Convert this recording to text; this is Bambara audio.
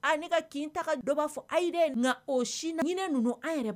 A ka kin ta dɔ b'a fɔ a ye na o sini hinɛinɛ ninnu an yɛrɛ